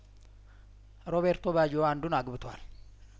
ሮቤርቶ ባጅዮ አንዱን አግብቷል